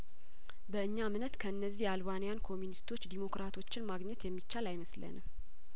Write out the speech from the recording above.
በእኛ እምነት ከእነዚህ የአልባንያን ኮሙኒስቶች ዴሞክራቶችን ማግኘት የሚቻል አይመስለንም